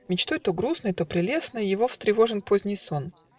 Мечтой то грустной, то прелестной Его встревожен поздний сон.